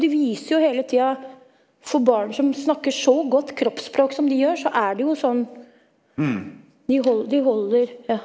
de viser jo hele tida for barn som snakker så godt kroppsspråk som de gjør så er det jo sånn de de holder ja.